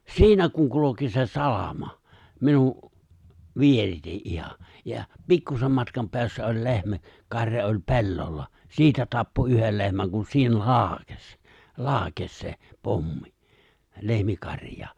siinä kun kulki se salama minun vierestä ihan ja pikkuisen matkan päässä oli lehmä karja oli pellolla siitä tappoi yhden lehmän kun siihen laukesi laukesi se pommi lehmikarjaan